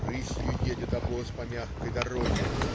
Рысью едет обоз по мягкой дороге.